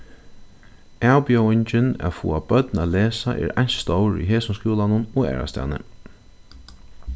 avbjóðingin at fáa børn at lesa er eins stór í hesum skúlanum og aðrastaðni